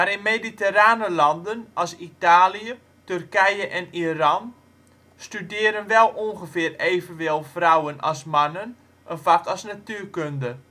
in mediterrane landen als Italië, Turkije en Iran studeren wel ongeveer evenveel vrouwen als mannen een vak als natuurkunde